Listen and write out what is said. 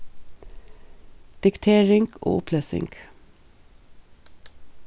diktering og upplesing